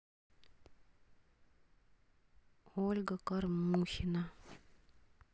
ольга кормухина